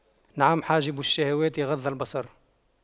نعم حاجب الشهوات غض البصر